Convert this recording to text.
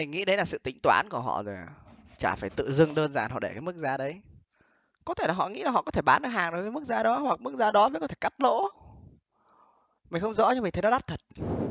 nghĩ đấy là sự tính toán của họ rồi chả phải tự dưng đơn giản họ để cái mức giá đấy có thể là họ nghĩ là họ có thể bán được hàng đối với mức giá đó hoặc mức giá đó mới có thể cắt lỗ mình không rõ nhưng mình thấy nó đắt thật